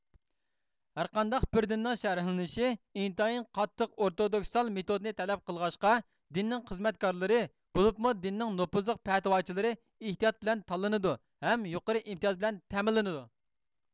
ھەر قانداق بىر دىننىڭ شەرھلىنىشى ئىنتايىن قاتتىق ئورتودوكسال مېتودنى تەلەپ قىلغاچقا دىننىڭ خىزمەتكارلىرى بولۇپمۇ دىننىڭ نوپۇزلۇق پەتىۋاچىلىرى ئېھتىيات بىلەن تاللىنىدۇ ھەم يۇقىرى ئىمتىياز بىلەن تەمىنلىنىدۇ